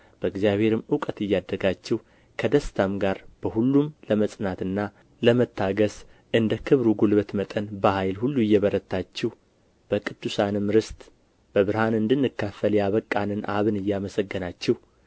በእግዚአብሔርም እውቀት እያደጋችሁ ከደስታም ጋር በሁሉ ለመጽናትና ለመታገሥ እንደ ክብሩ ጉልበት መጠን በኃይል ሁሉ እየበረታችሁ በቅዱሳንም ርስት በብርሃን እንድንካፈል ያበቃንን አብን እያመሰገናችሁ